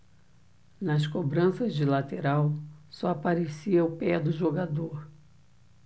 nas cobranças de lateral só aparecia o pé do jogador